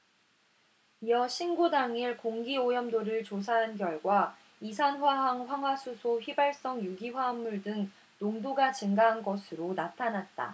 이어 신고 당일 공기오염도를 조사한 결과 이산화황 황화수소 휘발성유기화합물 등 농도가 증가한 것으로 나타났다